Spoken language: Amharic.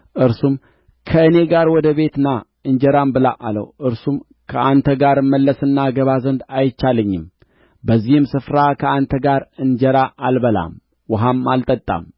እርሱም ከእኔ ጋር ወደ ቤቴ ና እንጀራም ብላ አለው እርሱም ከአንተ ጋር እመለስና እገባ ዘንድ አይቻለኝም በዚህም ስፍራ ከአንተ ጋር እንጀራ አልበላም ውኃም አልጠጣም